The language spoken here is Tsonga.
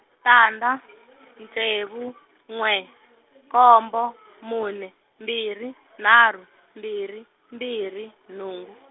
tandza, ntsevu n'we, nkombo mune mbirhi nharhu mbirhi mbirhi nhungu.